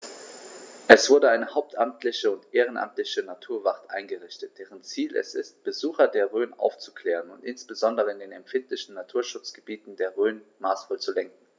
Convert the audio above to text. Es wurde eine hauptamtliche und ehrenamtliche Naturwacht eingerichtet, deren Ziel es ist, Besucher der Rhön aufzuklären und insbesondere in den empfindlichen Naturschutzgebieten der Rhön maßvoll zu lenken.